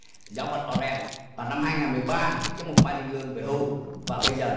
giáo phận o ren và năm hai ngàn mười ba đức giám mục mai thanh lương về hưu và bây giò